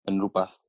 yn rwbath